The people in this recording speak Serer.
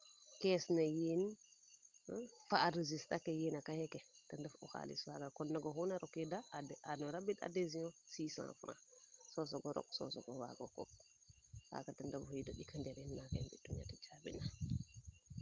caisse ne yiin fo a registre ke yiin a cahier ke ten ref u xalis faaga kon nak oxu na rokiida xano rabid adhesion 600 francs so soogo rok so soogo waago fog xaaga ref o xiido ndika ndeer ne in naaga i mbi tun fo ñeti caabi na